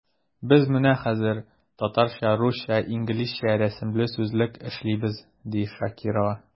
Без менә хәзер “Татарча-русча-инглизчә рәсемле сүзлек” эшлибез, ди Шакирова.